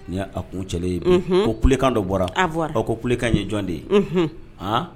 N a kuncɛlen ye ko kulekan dɔ bɔra aw ko kulekan ye jɔn de ye